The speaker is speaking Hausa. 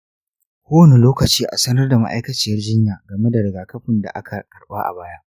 ko wani lokaci a sanar da ma'aikaciyar jinya game da rigakafin da aka karba a baya.